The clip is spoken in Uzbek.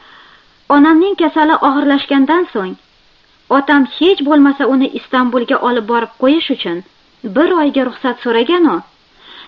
onamning kasali og'irlashgandan so'ng otam hech bo'lmasa uni istambulga olib borib qo'yish uchun bir oyga ruxsat so'ragan u